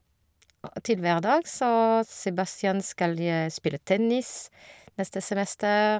Og til hverdags, så Sebastian skal je spille tennis neste semester.